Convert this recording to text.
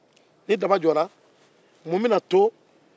ni daba jɔra mun bɛna to